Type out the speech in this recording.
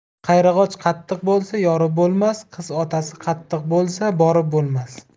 qayrag'och qattiq boisa yorib bo'lmas qiz otasi qattiq bo'lsa borib bo'lmas